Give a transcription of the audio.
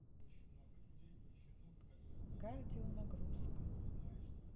кардионагрузка